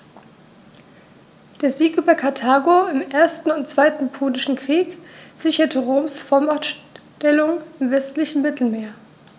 Der Sieg über Karthago im 1. und 2. Punischen Krieg sicherte Roms Vormachtstellung im westlichen Mittelmeer.